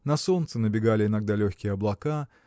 На солнце набегали иногда легкие облака